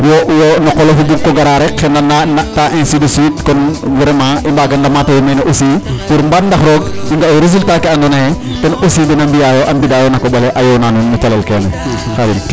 Wo wo no qolof o bug ko garaa rek, xendanaa naɗtaa ainsi de suite kon vraiment i mbaaga ndamat mene aussi pour mbaan ndax roog i nga' ee résultat ke andoona yee den aussi den a mbi'aayo na koƥ ale a yoonaayo nuun no calel kene Khadim .